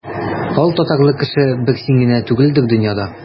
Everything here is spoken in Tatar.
Алтатарлы кеше бер син генә түгелдер дөньяда.